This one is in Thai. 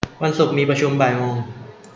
วันศุกร์มีประชุมบ่ายโมง